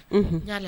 Unhun n ya